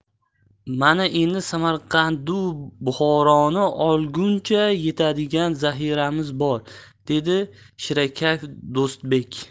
mana endi samarqandu buxoroni olguncha yetadigan zaxiramiz bor dedi shirakayf do'stbek